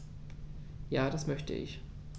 Ja, das möchte ich.